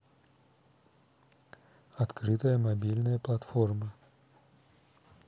открытая мобильная платформа